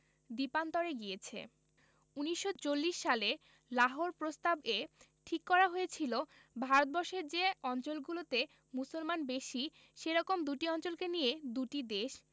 দ্বীপান্তরে গিয়েছে ১৯৪০ সালে লাহোর প্রস্তাব এ ঠিক করা হয়েছিল ভারতবর্ষের যে অঞ্চলগুলোতে মুসলমান বেশি সেরকম দুটি অঞ্চলকে নিয়ে দুটি দেশ